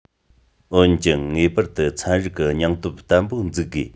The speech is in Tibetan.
འོན ཀྱང ངེས པར དུ ཚན རིག གི སྙིང སྟོབས བརྟན པོ འཛུགས དགོས